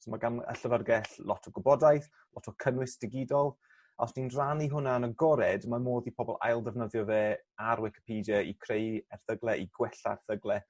so ma' gan y llyfyrgell lot o gwybodaeth lot o cynnwys digidol os ni'n rhannu hwnna yn agored ma' modd i pobol ail ddefnyddio fe ar wicipedia i creu erthygle i gwella erthygle